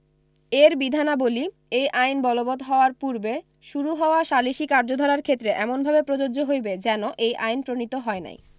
এর বিধানাবলী এই আইন বলবৎ হওয়ার পূর্বে শুরু হওয়া সালিসী কার্যধারার ক্ষেত্রে এমনভাবে প্রযোজ্য হইবে যেন এই আইন প্রণীত হয় নাই